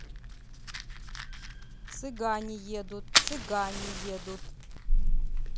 цыгане едут цыгане едут